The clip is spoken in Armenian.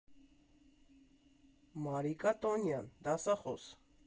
Մարիկա Տոնյան, դասախոս։